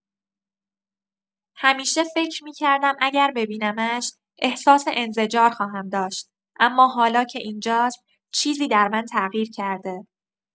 همیشه فکر می‌کردم اگر ببینمش، احساس انزجار خواهم داشت، اما حالا که اینجاست، چیزی در من تغییر کرده.